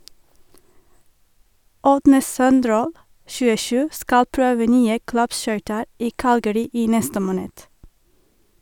Ådne Søndrål (27) skal prøve nye klappskøyter i Calgary i neste måned.